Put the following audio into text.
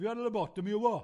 You ad a lobotomy or wha?